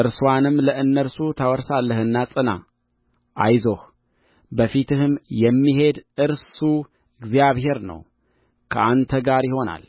እርስዋንም ለእነርሱ ታወርሳለህና ጽና አይዞህ በፊትህም የሚሄድ እርሱ እግዚአብሔር ነው ከአንተ ጋር ይሆናል